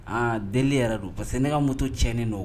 Aa deli yɛrɛ don parce que ne ka munto tinen don